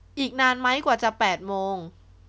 อีกนานไหมกว่าจะแปดโมง